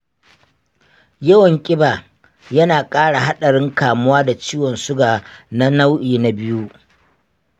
yawan kiba yana ƙara haɗarin kamuwa da ciwon suga na nau’i na biyu.